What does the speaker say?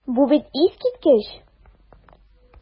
Бу бит искиткеч!